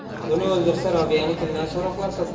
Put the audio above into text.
buni o'ldirsa robiyani kimdan so'roqlab topadi